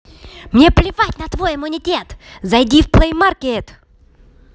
мне плевать на твой иммунитет зайди в плеймаркет